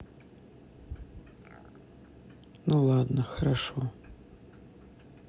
ну ладно хорошо